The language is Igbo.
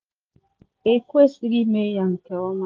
E kwesịrị ime ya nke ọma